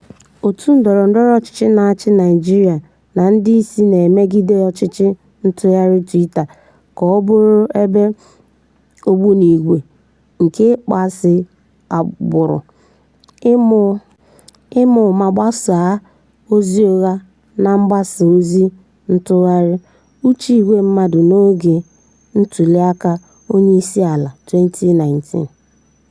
Otu ndọrọ ndọrọ ọchịchị na-achị Naịjirịa na ndị isi na-emegide ọchịchị tụgharịrị Twitter ka ọ bụrụ ebe ogbunigwe nke ịkpọasị agbụrụ, ịma ụma gbasaa ozi ụgha na mgbasa ozi ntụgharị uche ìgwe mmadụ n'oge ntụliaka onyeisiala 2019.